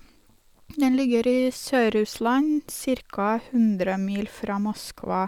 Den ligger i Sør-Russland, cirka hundre mil fra Moskva.